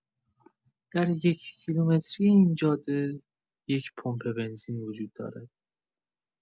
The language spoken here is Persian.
در یک‌کیلومتری این جاده، یک پمپ‌بنزین وجود دارد.